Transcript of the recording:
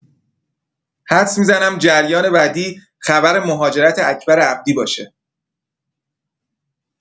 حدس می‌زنم جریان بعدی خبر مهاجرت اکبری عبدی باشه.